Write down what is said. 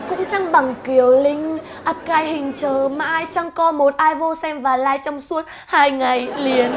cũng chẳng bằng kiều linh á cái hình chờ mãi chẳng có một ai vô xem và lai trong suốt hai ngày liền